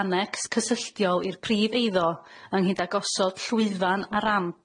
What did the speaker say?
annex cysylltiol i'r prif eiddo ynghyd agosod llwyfan a ramp